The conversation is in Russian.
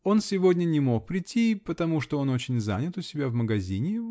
Он сегодня не мог прийти, потому что он очень занят у себя в магазине.